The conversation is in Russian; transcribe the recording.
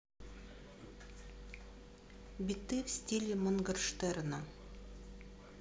биты в стиле моргенштерна